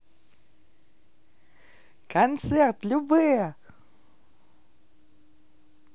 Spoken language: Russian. концерт любэ